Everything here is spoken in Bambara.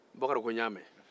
bokari ko n'ye a mɛn